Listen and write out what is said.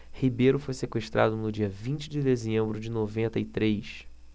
ribeiro foi sequestrado no dia vinte de dezembro de noventa e três